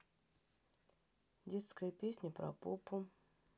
детская песня про попу